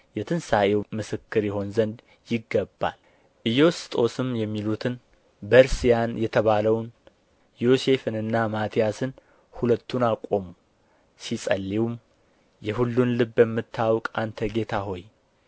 የትንሣኤው ምስክር ይሆን ዘንድ ይገባል ኢዮስጦስም የሚሉትን በርስያን የተባለውን ዮሴፍንና ማትያስን ሁለቱን አቆሙ ሲጸልዩም የሁሉን ልብ የምታውቅ አንተ ጌታ ሆይ